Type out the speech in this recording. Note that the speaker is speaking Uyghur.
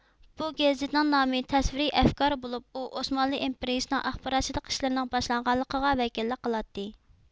بۇ گېزىتنىڭ نامى تەسۋىرىي ئەفكار بولۇپ ئۇ ئوسمانلى ئىمپېرىيىسىنىڭ ئاخباراتچىلىق ئىشلىرىنىڭ باشلانغانلىقىغا ۋەكىللىك قىلاتتى